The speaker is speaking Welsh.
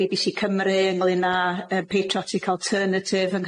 Bee Bee See Cymru ynglŷn â yy Patriotic Alternative yng